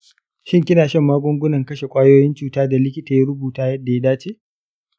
shin kina shan magungunan kashe kwayoyin cuta da likita ya rubuta yadda ya dace?